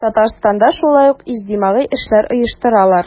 Татарстанда шулай ук иҗтимагый эшләр оештыралар.